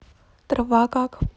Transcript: трава как